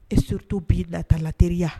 E s to bi data laeliya